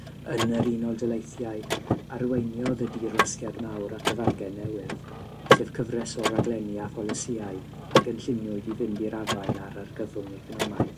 Yn yr Unol Daleithiau, arweiniodd y Dirwasgiad Mawr at y Fargen Newydd, sef cyfres o raglenni a pholisïau a gynlluniwyd i fynd i'r afael â'r argyfwng economaidd.